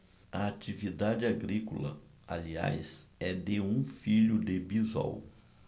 a atividade agrícola aliás é de um filho de bisol